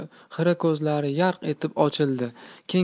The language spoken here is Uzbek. xira ko'zlari yarq etib ochilib ketdi